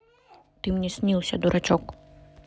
ты мне снился дурачок